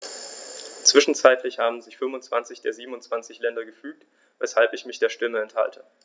Zwischenzeitlich haben sich 25 der 27 Länder gefügt, weshalb ich mich der Stimme enthalte.